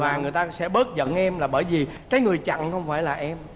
và người ta sẽ bớt giận em là bởi vì cái người chặn không phải là em